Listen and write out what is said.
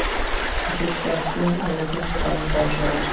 ko'cha ichkarisidan allakimning qadam tovushlari eshitildi